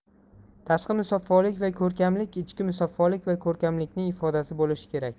tashqi musaffolik va ko'rkamlik ichki musaffolik va ko'rkamlikning ifodasi bo'lishi kerak